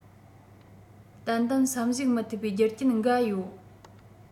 ཏན ཏན བསམ གཞིགས མི ཐུབ པའི རྒྱུ རྐྱེན འགའ ཡོད